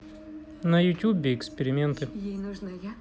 на ютюбе эксперименты